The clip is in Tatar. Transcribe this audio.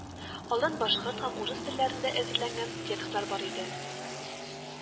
Алдан башкорт һәм урыс телләрендә әзерләнгән текстлар бар иде